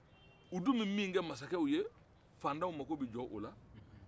u dun bɛ min kɛ mansakɛw ye faatanw mako bɛ jɔ o la